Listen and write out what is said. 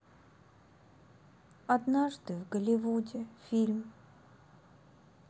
однажды в голливуде фильм